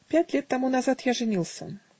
"Пять лет тому назад я женился.